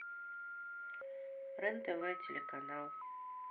рен тв телеканал